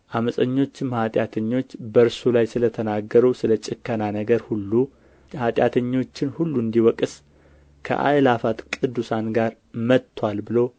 ዓመፀኞችም ኃጢአተኞች በእርሱ ላይ ስለ ተናገሩ ስለ ጭከና ነገር ሁሉ ኃጢአተኞችን ሁሉ እንዲወቅስ ከአእላፋት ቅዱሳኑ ጋር መጥቶአል ብሎ